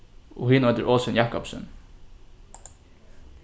og hin eitur olsen jacobsen